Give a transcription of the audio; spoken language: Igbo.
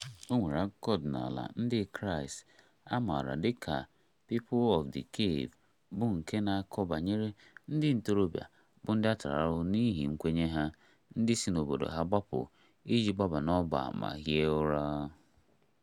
O nwere akụkọ ọdịnala ndị Kraịstị a maara dị ka "People of the Cave", bụ́ nke na-akọ banyere ndị ntorobịa, bụ́ ndị a tara ahụhụ n'ihi nkwenkwe ha, ndị si n'obodo ha gbapụ iji gbaba n'ọgba ma hie ụra.